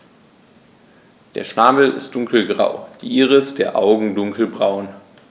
Der Schnabel ist dunkelgrau, die Iris der Augen dunkelbraun.